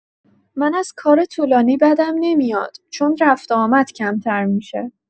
من از کار طولانی بدم نمیاد، چون رفت‌وآمد کمتر می‌شه.